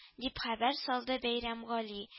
— дип, хәбәр салды бәйрәмгали